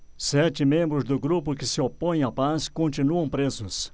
sete membros do grupo que se opõe à paz continuam presos